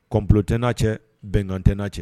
Kɔnbu tɛ n'a cɛ bɛngan tɛ n'a cɛ